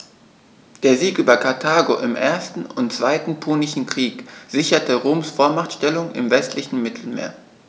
Der Sieg über Karthago im 1. und 2. Punischen Krieg sicherte Roms Vormachtstellung im westlichen Mittelmeer.